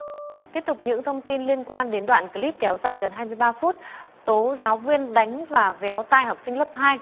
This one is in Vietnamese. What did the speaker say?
tiếp tục những thông tin liên quan đến đoạn cờ líp kéo dài gần hai mươi ba phút tố giáo viên đánh và véo tai học sinh lớp hai